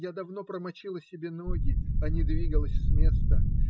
Я давно промочила себе ноги, а не двигалась с места.